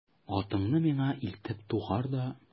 Атыңны миңа илтеп тугар да...